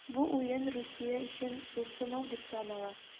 Бу уен Русия өчен зур сынау дип санала.